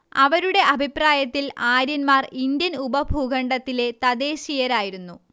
അവരുടെ അഭിപ്രായത്തിൽ ആര്യന്മാർ ഇന്ത്യൻ ഉപ ഭൂഖണ്ഡത്തിലെ തദ്ദേശീയരായിരുന്നു